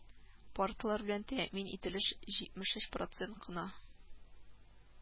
Парталар белән тәэмин ителеш җитмеш өч процент кына